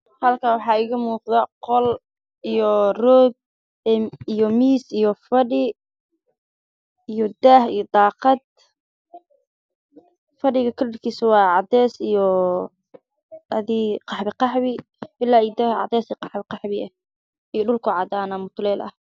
Meeshaan waxaa ka muuqdo qol iyo fadhi